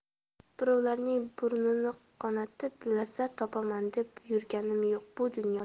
birovlarning burnini qonatib lazzat topaman deb yurganim yo'q bu dunyoda